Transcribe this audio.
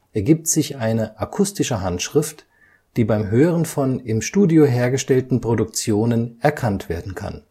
ergibt sich eine „ akustische Handschrift “, die beim Hören von im Studio hergestellten Produktionen erkannt werden kann